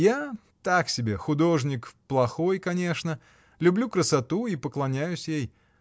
— Я. так себе, художник — плохой, конечно: люблю красоту и поклоняюсь ей